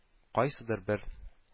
Кайсыдыр бер